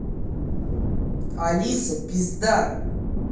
алиса пизда